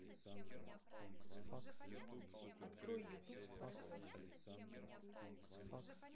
открой ютуб поросенок